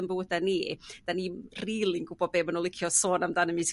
ein bywyda' ni 'da ni'm rili yn gw'bod be ma' n'w'n licio sôn amdan ymysg